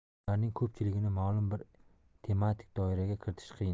ularning ko'pchiligini ma'lum bir tematik doiraga kiritish qiyin